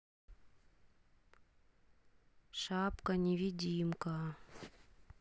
шапка невидимка